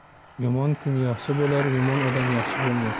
yomon kun yaxshi bo'lar yomon odam yaxshi bo'lmas